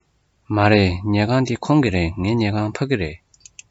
མ རེད ཉལ ཁང འདི ཁོང གི རེད ངའི ཉལ ཁང ཕ གི རེད